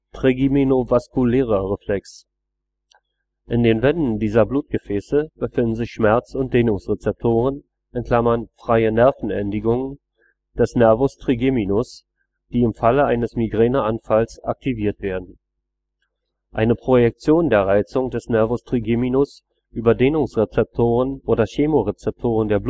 trigeminovaskulärer Reflex). In den Wänden dieser Blutgefäße befinden sich Schmerz - und Dehnungsrezeptoren (freie Nervenendigungen) des Nervus trigeminus, die im Falle eines Migräneanfalles aktiviert werden. Eine Projektion der Reizung des Nervus trigeminus über Dehnungsrezeptoren oder Chemorezeptoren der